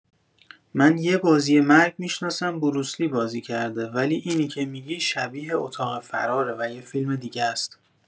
من یه بازی مرگ می‌شناسم بروسلی بازی کرده ولی اینی که می‌گی شبیه اتاق فراره یه فیلم دیگه ست